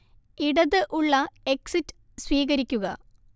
ഇടത് ഉള്ള എക്സിറ്റ് സ്വീകരിക്കുക